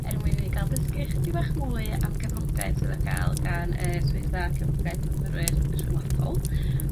er mwyn i ni ga'l dysgu ychydig bach mwy am gefnogaeth sydd ar ga'l gan y swyddfa cefnogaeth myfyrwyr rhyngwladol.